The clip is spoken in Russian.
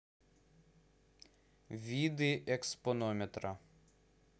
виды экспонометра